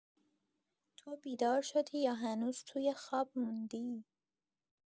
تو بیدار شدی یا هنوز توی خواب موندی؟